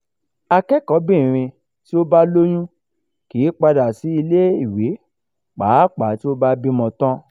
Akẹ́kọ̀ọ́bìnrin tí ó bá lóyún kì í padà sí ilé ìwé pàápàá tí ó bá bímọ tán.